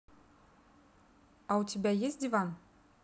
а у тебя есть диван